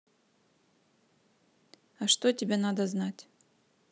а что тебе надо знать